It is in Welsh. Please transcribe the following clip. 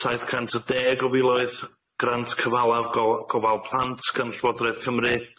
Saith cant a deg o filoedd, grant cyfalaf go- gofal plant gan Llywodraeth Cymru.